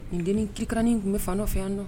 N kelen kekranin tun bɛ fan fɛ yan dɔn